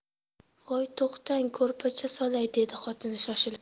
voy to'xtang ko'rpacha solay dedi xotini shoshilib